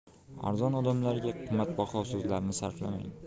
arzon odamlarga qimmatbaho so'zlarni sarflamang